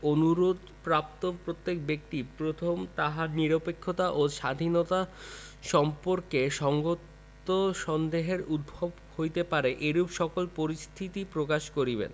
অনুরোধ প্রাপ্ত প্রত্যেক ব্যক্তি প্রথম তাহার নিরপেক্ষতা ও স্বাধীনতা সম্পর্কে সঙ্গত সন্দেহের উদ্ভব হইতে পারে এইরূপ সকল পরিস্থিতি প্রকাশ করিবেন